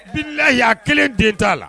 ' layi y' aa kelen den t'a la